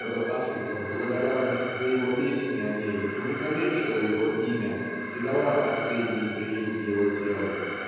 чтобы Африка в благодарность за его песни о ней увековечила его имя и дала последний приют его телу